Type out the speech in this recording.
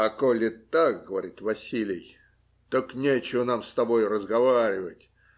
- А коли так, - говорит Василий, - так нечего нам с тобой и разговаривать.